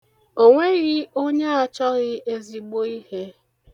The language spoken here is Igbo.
O nweghị onye achọghị ezigbo ihe.